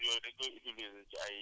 Aquatabs waa très bien